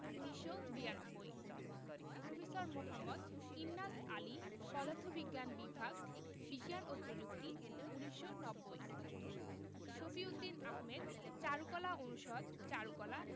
১৯৯২ professor মোঃ ইন্নাস আলী পদার্থবিজ্ঞান বিভাগ বিজ্ঞান ও প্রযুক্তি ১৯৯০ শফিউদ্দীন আহমেদ চারুকলা অনুষদ চারুকলা